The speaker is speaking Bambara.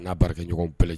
N'a baarakɛɲɔgɔnw bɛɛlaj